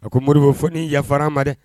A ko moribo fɔ ni yafara ma dɛ